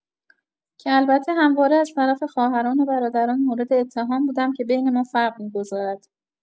که البته همواره از طرف خواهران و برادران مورد اتهام بودم که بین ما فرق می‌گذارد.